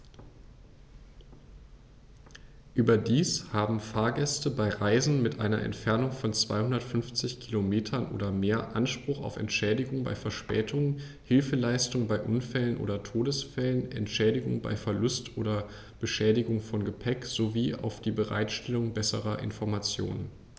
Überdies haben Fahrgäste bei Reisen mit einer Entfernung von 250 km oder mehr Anspruch auf Entschädigung bei Verspätungen, Hilfeleistung bei Unfällen oder Todesfällen, Entschädigung bei Verlust oder Beschädigung von Gepäck, sowie auf die Bereitstellung besserer Informationen.